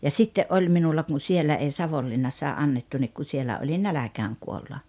ja sitten oli minulla kun siellä ei Savonlinnassakaan annettu niin kun siellä olin nälkään kuolla